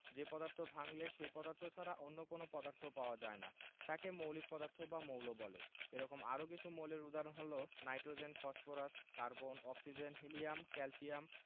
যে পদার্থকে ভাঙলে সেই পদার্থ ছাড়া অন্য কোনো পদার্থ পাওয়া যায় না তাকে মৌলিক পদার্থ বা মৌল বলে এরকম আরও কিছু মৌলের উদাহরণ হলো nitrogen phosphorus carbon oxygen helium calcium